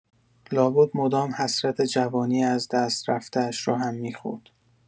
لابد مدام حسرت جوانی از دست رفته‌اش را هم می‌خورد.